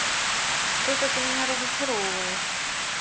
что то ты меня разочаровываешь